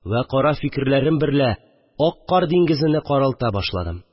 Вә кара фикерләрем берлә ак кар диңгезене каралта башладым